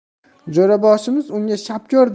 jo'raboshimiz unga shapko'r